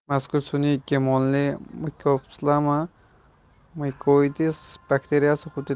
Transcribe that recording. mazkur sun'iy genomli mycoplasma mycoides bakteriyasi xuddi